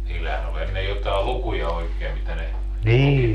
niillähän oli ennen jotakin lukuja oikein mitä ne lukivat